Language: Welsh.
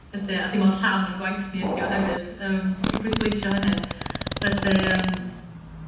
felly a dim ond rhan o'n gwaith ni ydi o hefyd yym i pwysleisio hynny felly yym